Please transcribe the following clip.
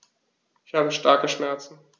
Ich habe starke Schmerzen.